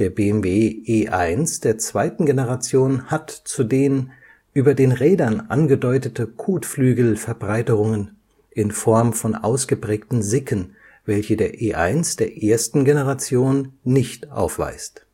BMW E1 der zweiten Generation hat zudem über den Rädern angedeutete Kotflügelverbreiterungen in Form von ausgeprägten Sicken, welche der E1 der ersten Generation nicht aufweist